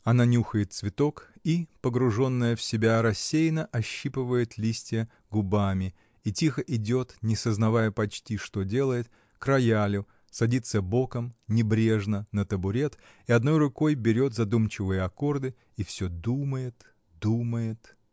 Она нюхает цветок и, погруженная в себя, рассеянно ощипывает листья губами и тихо идет, не сознавая почти, что делает, к роялю, садится боком, небрежно, на табурет и одной рукой берет задумчивые аккорды и всё думает, думает.